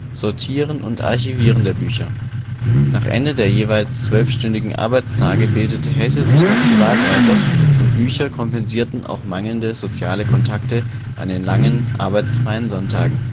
Sortieren und Archivieren der Bücher. Nach Ende der jeweils 12-stündigen Arbeitstage bildete Hesse sich noch privat weiter und Bücher kompensierten auch mangelnde soziale Kontakte an den langen, arbeitsfreien Sonntagen